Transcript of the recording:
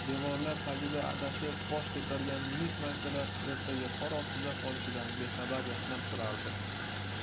devorlar tagida adashib bosh ko'targan munis maysalar ertaga qor ostida qolishidan bexabar yashnab turardi